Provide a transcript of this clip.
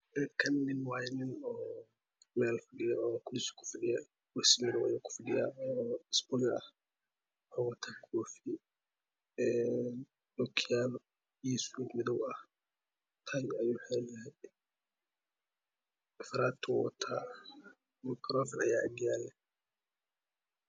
Kani nin waaye nin oo meel fadhiyo oo kursi ku fadhiyo, kursi bir ahaw ku fafhiyaa oo isbuunyo ah oowata koofi, ookiyaalo iyo shuud madow ah taag ayuu u xeran yahay masaraatoo wataan maqaroofan ayaa agyaalo